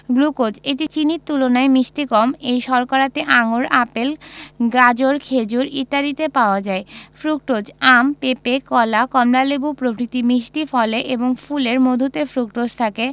glucose এটি চিনির তুলনায় মিষ্টি কম এই শর্করাটি আঙুর আপেল গাজর খেজুর ইত্যাদিতে পাওয়া যায় ফ্রুকটোজ আম পেপে কলা কমলালেবু প্রভৃতি মিষ্টি ফলে এবং ফুলের মধুতে ফ্রুকটোজ থাকে